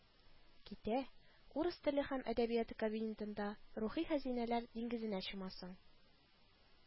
Китә, урыс теле һәм әдәбияты кабинетында рухи хәзинәләр диңгезенә чумасың